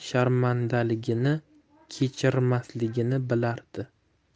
sharmandaligini kechirmasligini bilardi